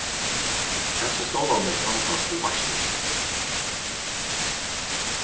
hasir stólarnir standa til veitsluna